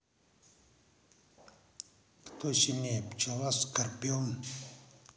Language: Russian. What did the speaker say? кто сильнее пчела скорпион